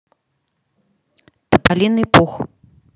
тополиный пух